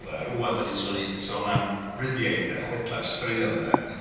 Rŵan dan ni'n so- sôn am ryddiaith de, chwedlau, straeon de.